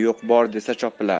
yo'q bor desa chopilar